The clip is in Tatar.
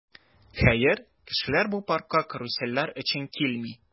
Хәер, кешеләр бу паркка карусельләр өчен килми.